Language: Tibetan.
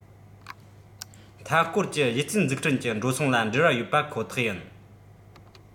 མཐའ སྐོར གྱི གཞི རྩའི འཛུགས སྐྲུན གྱི འགྲོ སོང ལ འབྲེལ བ ཡོད པ ཁོ ཐག ཡིན